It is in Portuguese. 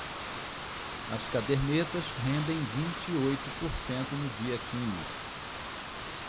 as cadernetas rendem vinte e oito por cento no dia quinze